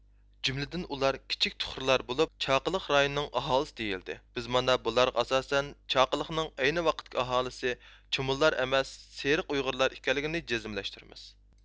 جۈملىدىن ئۇلار كىچىك تۇخرىلار بولۇپ چاقىلىق رايونىنىڭ ئاھالىسى دېيىلدى بىز مانا بۇلارغا ئاساسەن چاقىلىقنىڭ ئەينى ۋاقىتتىكى ئاھالىسى چۇمۇللار ئەمەس سېرىق ئۇيغۇرلار ئىكەنلىكىنى جەزملەشتۈرىمىز